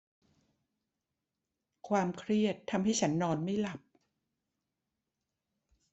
ความเครียดทำให้ฉันนอนไม่หลับ